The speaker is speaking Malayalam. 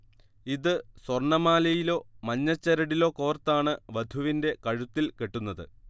ഇത് സ്വർണമാലയിലോ മഞ്ഞച്ചരടിലോ കോർത്താണ് വധുവിന്റെ കഴുത്തിൽ കെട്ടുന്നത്